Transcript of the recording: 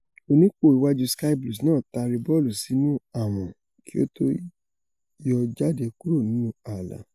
Onípò-iwáju Sky Blues náà taari bọ́ọ̀lú sínú àwọn kí ó to yọ́ jáde kuro nínú ààlà.